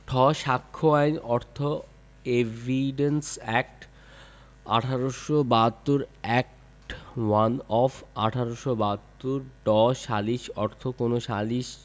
ঠ সাক্ষ্য আইন অর্থ evidence act. ১৮৭২ act one of ১৮৭২ ড সালিস অর্থ কোন সালিস